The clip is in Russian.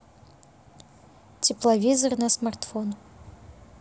тепловизор на смартфон